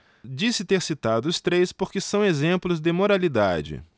disse ter citado os três porque são exemplos de moralidade